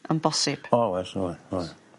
yn bosib. O wes oe- oe-.